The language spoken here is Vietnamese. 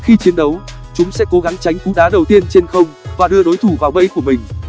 khi chiến đấu chúng sẽ cố gắng tránh cú đá đầu tiên trên không và đưa đối thủ vào bẫy của mình